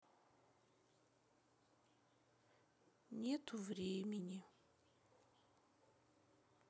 нету времени